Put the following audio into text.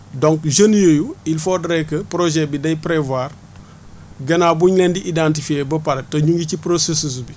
donc jeunes yooyu il faudrait que projet bi day prévoir gannaaw bu ñu leen di identifier ba pare te ñu ngi ci processus bi